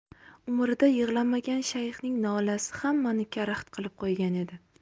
umrida yig'lamagan shayxning nolasi hammani karaxt qilib qo'ygan edi